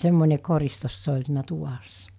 semmoinen koristus se oli siinä tuvassa